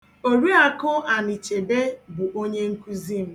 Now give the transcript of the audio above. Oriakụ Anichebe bụ onyenkuzi m.